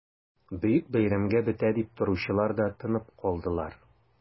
Бөек бәйрәмгә бетә дип торучылар да тынып калдылар...